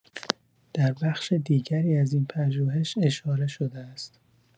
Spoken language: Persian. در بخش دیگری از این پژوهش اشاره‌شده است